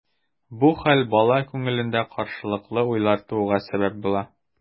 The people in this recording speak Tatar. Бу хәл бала күңелендә каршылыклы уйлар тууга сәбәп була.